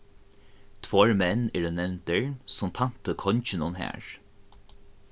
tveir menn eru nevndir sum tæntu konginum har